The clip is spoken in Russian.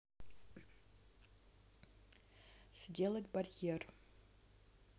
сделать барьер